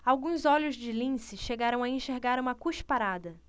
alguns olhos de lince chegaram a enxergar uma cusparada